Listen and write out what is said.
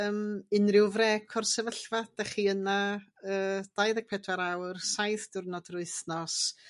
yym unrhyw frêc o'r sefyllfa dach chi yna yy dau ddeg pedwar awr saith diwrnod yr wythnos.